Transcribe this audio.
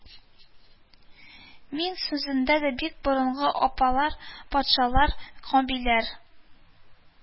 Мин сүзендә дә бик борынгы аллалар, патшалар, кабиләләр